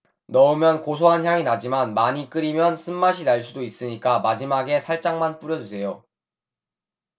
넣으면 고소한 향이 나지만 많이 끓이면 쓴맛이 날 수 있으니까 마지막에 살짝만 뿌려주세요